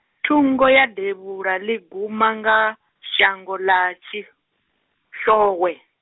thungo ya devhuḽa ḽi guma nga, shango ḽa tshi, Tshixowe.